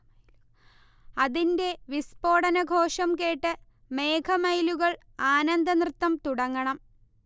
അതിന്റെ വിസ്ഫോടനഘോഷം കേട്ട് മേഘമയിലുകൾ ആനന്ദനൃത്തം തുടങ്ങണം